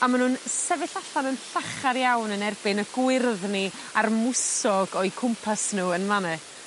a ma' nw'n sefyll allan yn llachar iawn yn erbyn y gwyrddni ar mwsog o'u cwmpas n'w yn man 'ne.